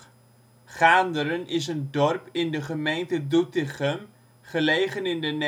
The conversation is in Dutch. Gaanderen is een dorp in de gemeente Doetinchem, gelegen in de